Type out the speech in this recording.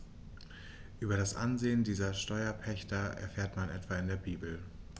Über das Ansehen dieser Steuerpächter erfährt man etwa in der Bibel.